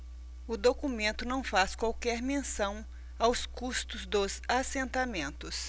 o documento não faz qualquer menção aos custos dos assentamentos